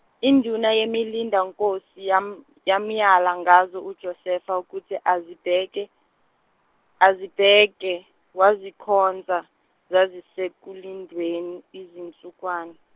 induna yemilindankosi yam- yamyala ngazo uJosefa kuthi azibheke azibheke, wazikhonza zazisekulindweni izinsukwana.